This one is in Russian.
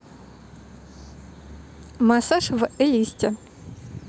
массаж в элисте